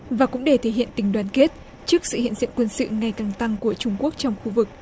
và cũng để thể hiện tình đoàn kết trước sự hiện diện quân sự ngày càng tăng của trung quốc trong khu vực